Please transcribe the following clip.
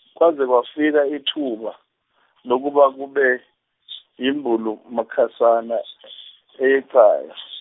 kwaze kwafika ithuba, lokuba kube yimbulumakhasana eyeqayo.